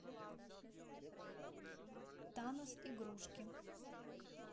танос игрушки